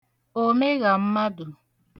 òmegàmmadụ̀